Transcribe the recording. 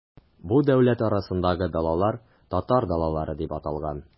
Бу дәүләт арасындагы далалар, татар далалары дип аталган.